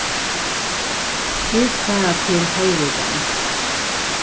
vit fara til hoyvíkar